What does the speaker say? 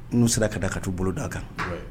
N'u sera ka da ka tu bolo daa kan